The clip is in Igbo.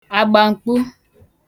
àgbàm̀kpu